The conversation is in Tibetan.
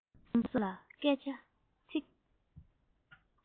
གསུམ པོ ལ སྐད ཆ ཚིག